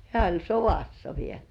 hän oli sodassa vielä